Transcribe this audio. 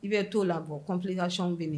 I bɛ to o labɔ kɔnfi kac bɛ